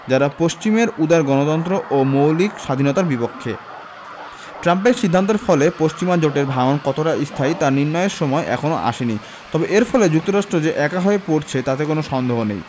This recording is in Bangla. যারা পশ্চিমের উদার গণতন্ত্র ও মৌলিক স্বাধীনতার বিপক্ষে ট্রাম্পের সিদ্ধান্তের ফলে পশ্চিমা জোটের ভাঙন কতটা স্থায়ী তা নির্ণয়ের সময় এখনো আসেনি তবে এর ফলে যুক্তরাষ্ট্র যে একা হয়ে পড়ছে তাতে কোনো সন্দেহ নেই